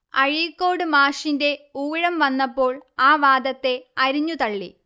അഴീക്കോട് മാഷിന്റെ ഊഴം വന്നപ്പോൾ ആ വാദത്തെ അരിഞ്ഞുതള്ളി